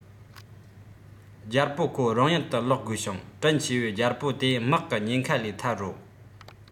རྒྱལ པོ ཁོ རང ཡུལ དུ ལོག དགོས བྱུང དྲིན ཆི བའི རྒྱལ པོ དེ དམག གི ཉེན ཁ ལས ཐར རོ